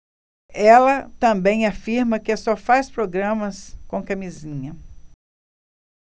ela também afirma que só faz programas com camisinha